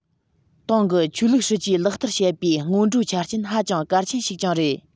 ཏང གི ཆོས ལུགས སྲིད ཇུས ལག བསྟར བྱེད པའི སྔོན འགྲོའི ཆ རྐྱེན ཧ ཅང གལ ཆེན ཞིག ཀྱང རེད